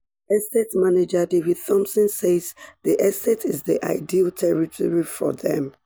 Estate manager David Thompson says the estate is the ideal territory for them.